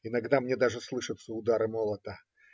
Иногда мне даже слышатся удары молота.